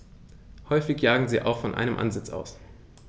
Häufig jagen sie auch von einem Ansitz aus.